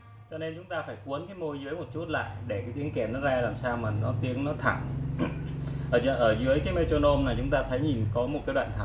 cho nên chúng ta phải cuốn cái môi dưới lại để cho tiếng kèn nó ra thẳng nốt ở dưới cái tuner chúng ta thấy có một cái đoạn thẳng